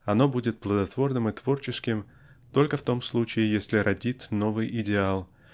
Оно будет плодотворным и творческим только в том случае если родит новый идеал